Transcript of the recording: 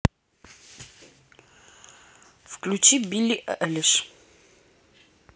включи billie eilish